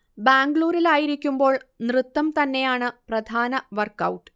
ബാംഗ്ലൂരിൽ ആയിരിക്കുമ്ബോൾ നൃത്തംതന്നെയാണ് പ്രധാന വർക്ക് ഔട്ട്